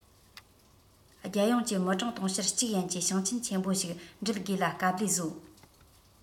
རྒྱལ ཡོངས ཀྱི མི གྲངས དུང ཕྱུར གཅིག ཡན གྱི ཞིང ཆེན ཆེན པོ ཞིག དྲུད དགོས ལ དཀའ ལས བཟོ